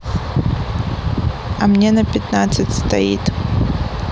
а мне на пятнадцать стоит